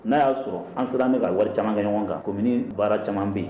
N'a y'a sɔrɔ an siran ne ka wari caman kɛ ɲɔgɔn kan komi ni baara caman bɛ yen